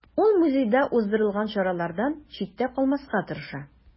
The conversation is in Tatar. Ул музейда уздырылган чаралардан читтә калмаска тырыша.